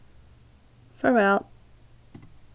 farvæl